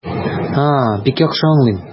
А, бик яхшы аңлыйм.